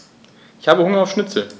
Ich habe Hunger auf Schnitzel.